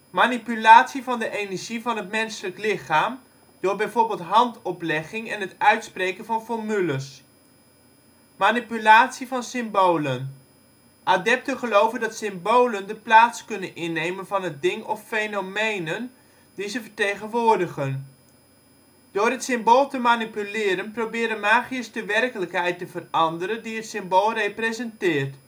manipulatie van de energie van het menselijk lichaam door bijvoorbeeld handoplegging en het uitspreken van formules. manipulatie van symbolen; adepten geloven dat symbolen de plaats kunnen innemen van het ding of fenomenen die ze vertegenwoordigen. Door het symbool te manipuleren proberen magiërs de werkelijkheid te veranderen die het symbool representeert